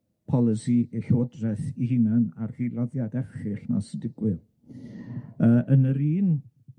polisi eu llywodraeth u hunan a'r hil-laddiad erchyll 'na sy'n digwydd. Yy yn yr un